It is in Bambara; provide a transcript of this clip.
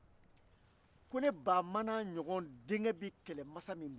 nka muso fila bɛ a kun hali a ka dumini sɔrɔli bɛ ye makaritɔ ko ye